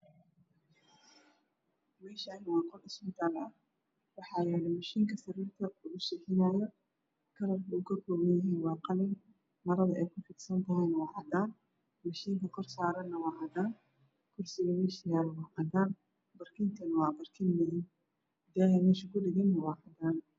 Meeshaani waa qol isbitaal ah waxaa yaalo mashiina sariirta lagu seexinaayo kalarka uu ka koobanyahay waa qalin marada ay ku fidsantahayna waa cadaan madhiinka kor saarana waa cadaan barkintana waa midab daaha meesha ku dhagan waa cadaan